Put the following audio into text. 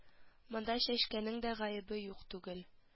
Монда чәчкәнең дә гаебе юк түгел